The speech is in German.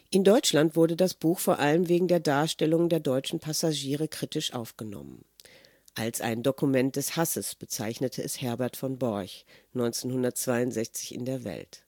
In Deutschland wurde das Buch, vor allem wegen der Darstellung der deutschen Passagiere, kritisch aufgenommen. Als " ein Dokument des Hasses " bezeichnete es Herbert von Borch 1962 in der Welt